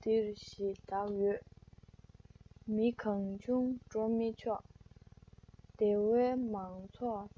འདིར གཞི བདག ཡོད མི གང བྱུང འགྲོ མི ཆོག སྡེ བའི མང ཚོགས